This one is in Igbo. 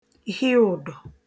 hị ụ̀dọ̀